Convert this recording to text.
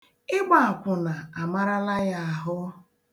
Ịgba akwụna amarala ya ahụ.